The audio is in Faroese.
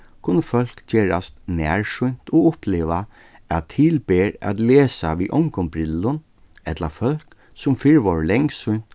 kunnu fólk gerast nærsýnt og uppliva at til ber at lesa við ongum brillum ella fólk sum fyrr vóru langsýnt